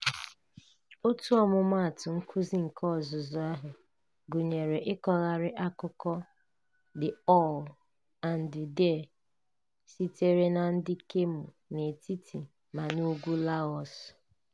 Otu ọmụmatụ nkuzi nke ọzụzụ ahụ gunyere ịkọgharị akụkọ "The Owl and the Deer" sitere na ndị Kmhmu' n'etiti ma n'ugwu Laos.